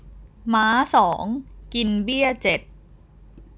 ม้าสองกินเบี้ยเจ็ด